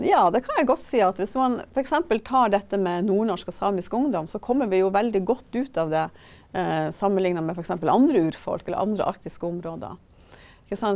ja det kan jeg godt si, at hvis man f.eks. tar dette med nordnorsk og samisk ungdom, så kommer vi jo veldig godt ut av det sammenligna med f.eks. andre urfolk eller andre arktiske områder ikke sant.